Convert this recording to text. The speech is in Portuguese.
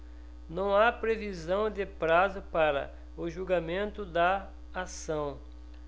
não há previsão de prazo para o julgamento da ação